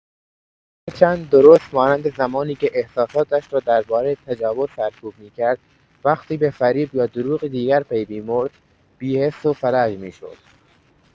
هرچند درست مانند زمانی که احساساتش را درباره تجاوز سرکوب می‌کرد، وقتی به فریب یا دروغی دیگر پی می‌برد، بی‌حس و فلج می‌شد.